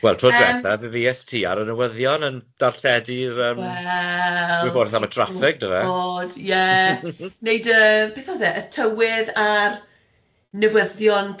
Wel tro dwetha mi fues ti ar newyddion yn darlledu yym well gwybodaeth am y traffic yndyfe? Well dwi'n gwbod ie. nid yyy beth o'dd e y tywydd a'r newyddion teithio